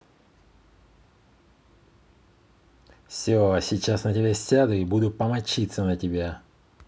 все сейчас на тебя сяду и буду помочиться на тебя